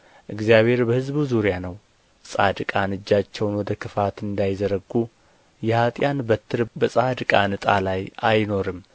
እግዚአብሔር በሕዝቡ ዙሪያ ነው ጻድቃን እጃቸውን ወደ ክፋት እንዳይዘረጉ የኃጥኣን በትር በጻድቃን ዕጣ ላይ አይኖርም